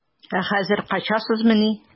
Ә хәзер качасызмыни?